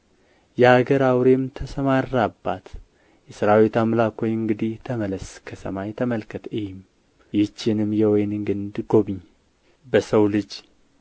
የአገር አውሬም ተሰማራባት የሠራዊት አምላክ ሆይ እንግዲህ ተመለስ ከሰማይ ተመልከት እይም ይህችንም የወይን ግንድ ጐብኝ በሰው ልጅ